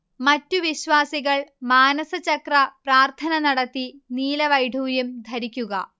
മറ്റു വിശ്വാസികൾ മാനസചക്ര പ്രാർത്ഥന നടത്തി നീലവൈഢൂര്യം ധരിക്കുക